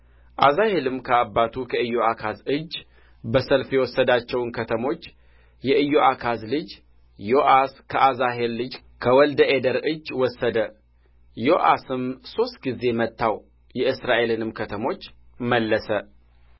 አዛሄልም ከአባቱ ከኢዮአካዝ እጅ በሰልፍ የወሰዳቸውን ከተሞች የኢዮአካዝ ልጅ ዮአስ ከአዛሄል ልጅ ከወልደ አዴር እጅ ወሰደ ዮአስም ሦስት ጊዜ መታው የእስራኤልንም ከተሞች መለሰ